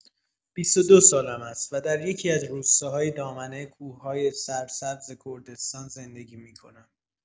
بیست و دو سالم است و در یکی‌از روستاهای دامنه کوه‌های سرسبز کردستان زندگی می‌کنم.